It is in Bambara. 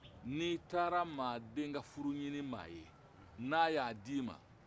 n'i taara mɔgɔ den ka furu ɲini mɔgɔ ye n'a y'a d'i man